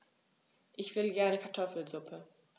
Ich will gerne Kartoffelsuppe.